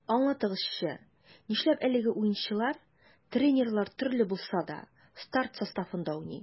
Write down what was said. Аңлатыгызчы, нишләп әлеге уенчылар, тренерлар төрле булса да, старт составында уйный?